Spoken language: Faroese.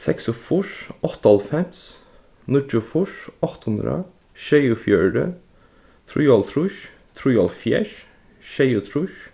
seksogfýrs áttaoghálvfems níggjuogfýrs átta hundrað sjeyogfjøruti trýoghálvtrýss trýoghálvfjerðs sjeyogtrýss